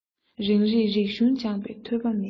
རང རིགས རིག གཞུང སྦྱངས པའི ཐོས པ མེད